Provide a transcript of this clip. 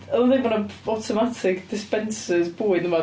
Oedd o'n deud bod 'na automatic dispensers bwyd dwi'n meddwl.